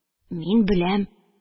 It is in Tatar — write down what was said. Мин беләм...